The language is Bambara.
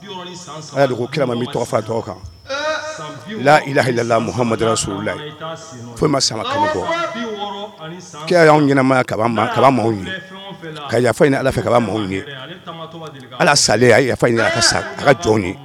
A y'a ko kirama tɔgɔfa tɔgɔ kan lala muhamadu sla fo ma sama bɔ'ya y'anw ɲɛnamaya ka ma kala mɔgɔw ye ka yafa ɲini ala fɛ kala mɔgɔw ye ala sa a yafa ɲini sa ka jɔnw ye